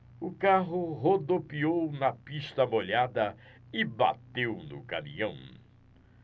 o carro rodopiou na pista molhada e bateu no caminhão